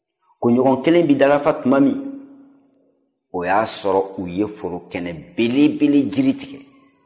kunɲɔgɔn kelen bɛ dafa tuma min na o y'a sɔrɔ u ye forokɛnɛ belebele yiriw tigɛ